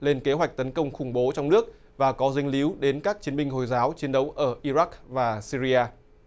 lên kế hoạch tấn công khủng bố trong nước và có dính líu đến các chiến binh hồi giáo chiến đấu ở i rắc và si ri a